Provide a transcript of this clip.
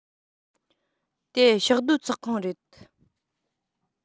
དེ ཕྱོགས བསྡུས ཚོགས ཁང རེད